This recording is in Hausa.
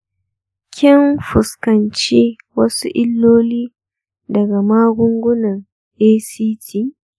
kin fuskanci wasu illoli daga magungunan act?